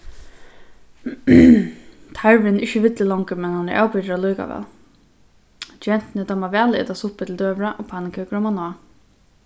tarvurin er ikki villur longur men hann er avbyrgdur allíkavæl gentuni dámar væl at eta suppu til døgurða og pannukøkur omaná